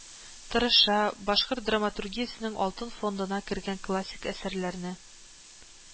Тырыша, башкорт драматургиясенең алтын фондына кергән классик әсәрләрне